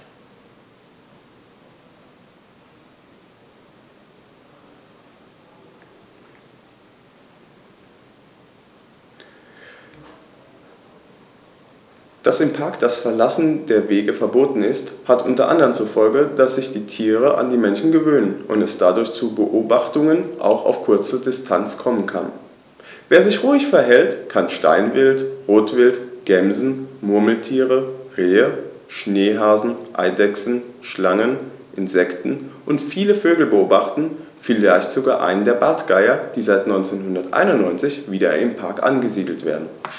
Dass im Park das Verlassen der Wege verboten ist, hat unter anderem zur Folge, dass sich die Tiere an die Menschen gewöhnen und es dadurch zu Beobachtungen auch auf kurze Distanz kommen kann. Wer sich ruhig verhält, kann Steinwild, Rotwild, Gämsen, Murmeltiere, Rehe, Schneehasen, Eidechsen, Schlangen, Insekten und viele Vögel beobachten, vielleicht sogar einen der Bartgeier, die seit 1991 wieder im Park angesiedelt werden.